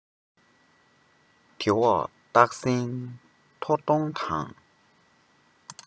དེ འོག སྟག སྲིང ཟོར གདོང དང